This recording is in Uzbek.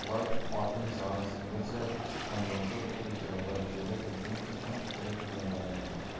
loy otning sag'risigacha chiqqan bo'lsa bu bechoralar kela kelguncha qanchalik qiynalganikin